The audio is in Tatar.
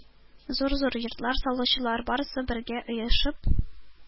Зур-зур йортлар салучылар, барысы бергә оешып,